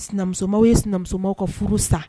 Sinamusow ye sinamusow ka furu san